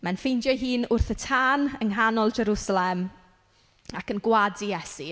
Ma'n ffeindio ei hun wrth y tân yng nghanol Jerwsalem ac yn gwadu Iesu.